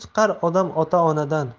chiqar odam ota onadan